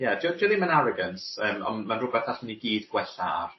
ie 'di o 'di o ddim yn arrogance yym ond ma'n rwbeth allan ni gyd gwella ar.